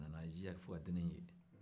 a nana a jija fo ka deni ye